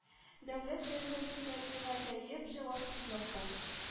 Дәүләт дәрәҗәсендәге гаҗәеп җавапсызлык бу